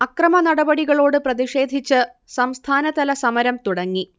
അക്രമനടപടികളോട് പ്രതിക്ഷേധിച്ച് സംസ്ഥാനതല സമരം തുടങ്ങി